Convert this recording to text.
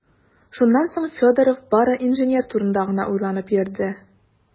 Шуннан соң Федоров бары инженер турында гына уйланып йөрде.